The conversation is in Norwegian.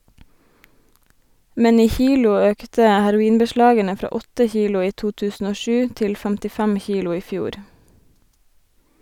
Men i kilo økte heroinbeslagene fra 8 kilo i 2007 til 55 kilo i fjor.